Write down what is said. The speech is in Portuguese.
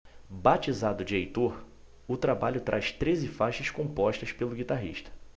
batizado de heitor o trabalho traz treze faixas compostas pelo guitarrista